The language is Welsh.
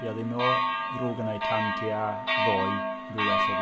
Fuodd hi'n o ddrwg arna i tan tua ddoe, ond dwi'n well heddiw.